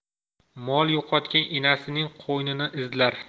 mol yo'qotgan enasining qo'ynini izlar